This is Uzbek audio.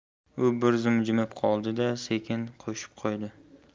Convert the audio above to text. u bir zum jimib qoldi da sekin qo'shib qo'ydi